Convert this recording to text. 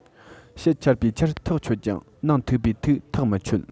ཕྱི ཆར པའི ཆར ཐག ཆོད ཀྱང ནང ཐིགས པའི ཐིགས ཐག མི ཆོད